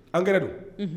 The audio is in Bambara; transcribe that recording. An kɛra don